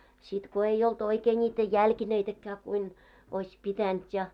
sitten kun ei ollut oikein niitä jalkineitakaan kuin olisi pitänyt ja